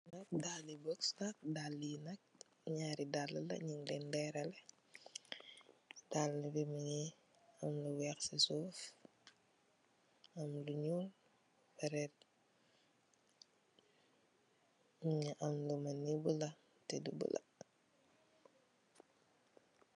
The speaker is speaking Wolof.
Daali bot la daali yi naari daala nyun len leral daala bi mogi am lu weex si suuf am lu nuul red mogi am lu mel ne binda teh du binda.